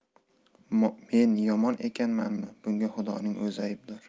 men yomon ekanmanmi bunga xudoning o'zi aybdor